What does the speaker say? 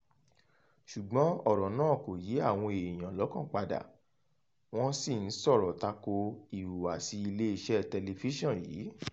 Ṣùgbọ́n ọ̀rọ̀ náà kò yí àwọn èèyàn lọ́kàn padà, wọ́n sì ń sọ̀rọ̀ tako ìhùwàsí iléeṣẹ́ tẹlifíṣàn yìí.